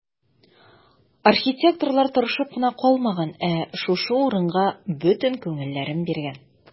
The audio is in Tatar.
Архитекторлар тырышып кына калмаган, ә шушы урынга бөтен күңелләрен биргән.